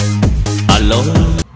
a lô